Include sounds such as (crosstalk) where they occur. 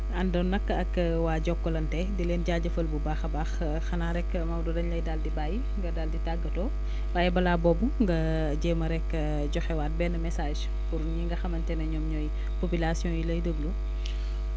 àndoon nga ak waa Jokalante di leen jaajëfal bu baax a baax xanaa rek Maodo dañ lay daal di bàyyi nga daal di tàggatoo (breath) waaye balaa boobu nga (hesitation) jéem a rek (hesitation) joxewaat benn message pour ñi nga xamante ne ñoom ñooy population yi lay déglu (breath)